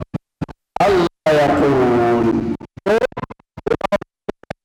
Maaunɛ